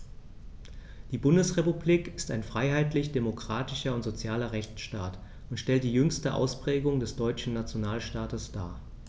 Die Bundesrepublik ist ein freiheitlich-demokratischer und sozialer Rechtsstaat und stellt die jüngste Ausprägung des deutschen Nationalstaates dar.